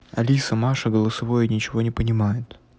алиса маша голосовое ничего не понимает